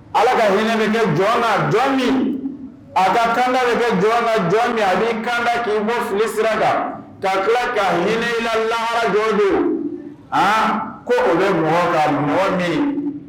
Ala ka hinɛ min kɛ jɔn na jɔn min a ka kanda nin kɛ jɔn na jɔn min ani kanda kun bɔ fili sira kan ka tila ka hinɛla lara jɔn don a ko o bɛ mɔgɔga ɲɔ min